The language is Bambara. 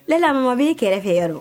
Lala Maman b'i kɛrɛfɛ fɛ yɔrɔ?